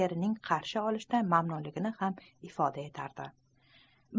erini qarshi olishdan mamnunligini ham ifoda etar edi